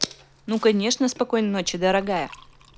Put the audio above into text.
ну конечно спокойной ночи дорогая